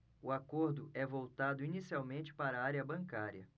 o acordo é voltado inicialmente para a área bancária